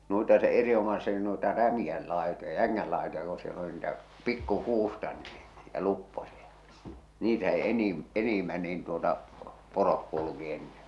noita se erinomaisestikin noita rämeiden laitoja jängän laitoja kun siellä oli niitä pikkukuusta niin ja luppoisia niitä se - enimmän niin tuota poro kulki ennen